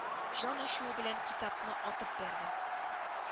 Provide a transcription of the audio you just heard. Җан ачуы белән китапны атып бәрде